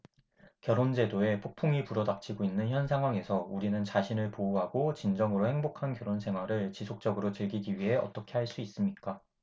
결혼 제도에 폭풍이 불어 닥치고 있는 현 상황에서 우리는 자신을 보호하고 진정으로 행복한 결혼 생활을 지속적으로 즐기기 위해 어떻게 할 수 있습니까